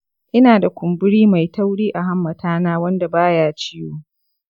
ina da kumburi mai tauri a hammata na wanda baya ciwo.